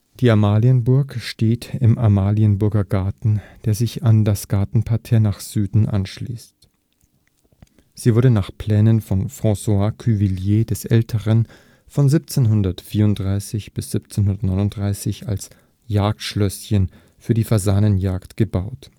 Die Amalienburg steht im Amalienburger Garten, der sich an das Gartenparterre nach Süden anschließt. Sie wurde nach Plänen von François Cuvilliés d. Ä. von 1734 bis 1739 als Jagdschlösschen für die Fasanenjagd erbaut